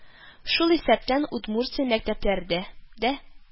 Шул исәптән, Удмуртия мәктәпләрдә дә